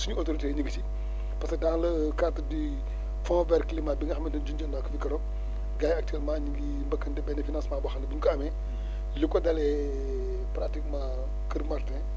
suñu autorités yi ñu ngi si parce que dans le cadre du fond vers climat bi nga xamante ni junjoon naa ko fi keroog gars yi actuellement ñu ngi mbënkkante benn financement boo xam ne bu ñu ko amee lu ko dalee partiquement kër Martin